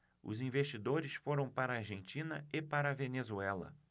os investidores foram para a argentina e para a venezuela